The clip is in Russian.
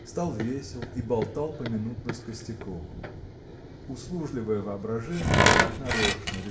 стал весел и болтал поминутно с Костяковым. Услужливое воображение как нарочно